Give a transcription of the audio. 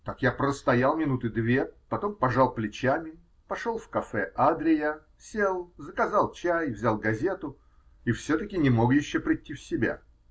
Так я простоял минуты две, потом пожал плечами, пошел в кафе "Адрия", сел, заказал чай, взял газету и все-таки не мог еще прийти в себя.